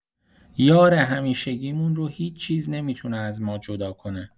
یار همیشگیمون رو هیچ‌چیز نمی‌تونه از ما جدا کنه.